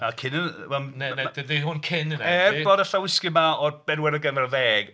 'Di hwn cyn hynna?... Er bod y llawysgrif 'ma o'r bedwaredd ganrif ddeg.